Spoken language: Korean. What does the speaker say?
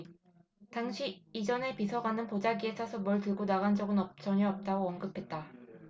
당시 이 전 비서관은 보자기에 싸서 뭘 들고 나간 적은 전혀 없다고 언급했다